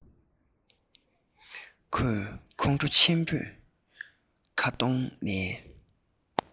ཁོས ཁོང ཁྲོ ཆེན པོས ཁང སྟོང ནས